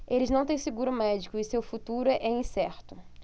eles não têm seguro médico e seu futuro é incerto